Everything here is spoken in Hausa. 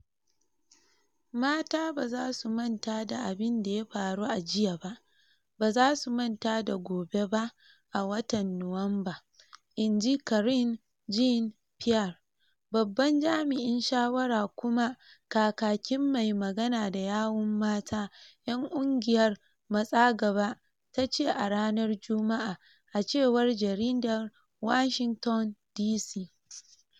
"Mata ba za su manta da abin da ya faru a jiya ba - ba za su manta da gobe ba a watan Nuwamba," in ji Karine Jean-Pierre, babban jami'in shawara kuma kakakin mai magana da yawun mata 'yan kungiyar MatsaGaba tace a ranar Jumma'a, a cewar Jaridar Washington DC.